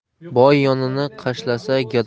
boy yonini qashlasa